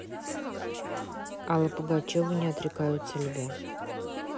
алла пугачева не отрекаются любя